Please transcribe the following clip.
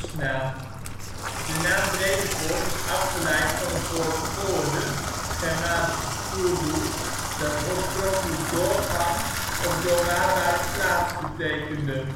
De naam Bredevoort is afgeleid van het woord voorde (Germaans: furdu) dat oorspronkelijk " doorgang " of " doorwaadbare plaats " betekende